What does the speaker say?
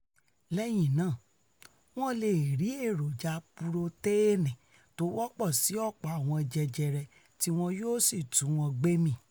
Lẹ́yìn náà wọ́n leè 'ri' èròja puroteeni tówọ́pọ̀ sí ọ̀pọ̀ àwọn jẹjẹrẹ tíwọn yóò sì túnwọn gbé mì